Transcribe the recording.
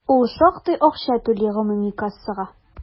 Ул шактый акча түли гомуми кассага.